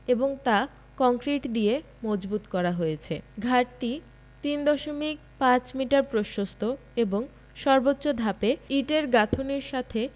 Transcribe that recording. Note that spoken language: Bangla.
এবং তা কংক্রিট দিয়ে মজবুত করা হয়েছে ঘাটটি ৩ দশমিক ৫ মিটার প্রশস্ত এবং সর্বোচ্চ ধাপে ইটের গাঁথুনীর সাথে